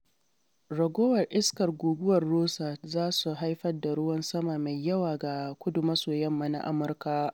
Ragowar iskar guguwar Rosa za su haifar da ruwan sama mai yawa ga kudu-maso-yamma na Amurka